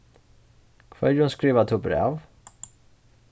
hvørjum skrivar tú bræv